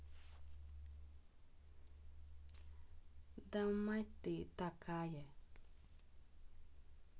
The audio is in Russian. да мать ты такая